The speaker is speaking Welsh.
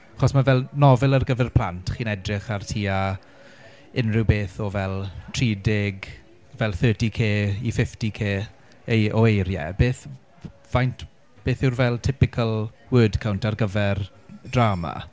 Achos ma' fel nofel ar gyfer plant chi'n edrych ar tua unrhyw beth o fel tri deg fel thirty k i fifty k ei- o eiriau. Beth... faint... beth yw'r fel typical word count ar gyfer drama?